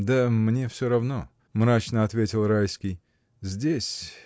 — Да мне всё равно, — мрачно ответил Райский, — здесь.